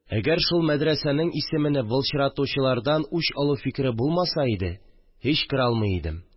Әгәр шул мәдрәсәнең исемене былчыратучылардан үч алу фикере булмаса иде, һич керә алмый идем